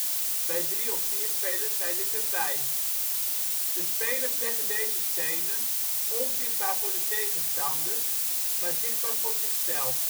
bij 2 spelers zijn dit 7 stenen; bij 3 of 4 spelers zijn dit er 5. De spelers leggen deze stenen, onzichtbaar voor de tegenstanders (maar zichtbaar voor zichzelf